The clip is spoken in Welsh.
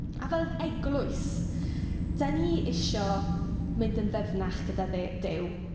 A fel eglwys dan ni isio mynd yn ddyfnach gyda du- Duw.